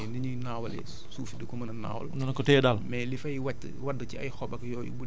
parce que dina tax ba ngelaw yi bu ñëwee ni ñuy naawalee suuf di ko mën a naawal